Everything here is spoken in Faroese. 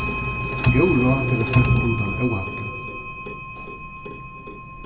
góð ráð til at sleppa undan óhappi